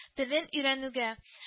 Телен өйрәнүгә